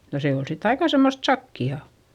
no se oli sitten aika semmoista sakeaa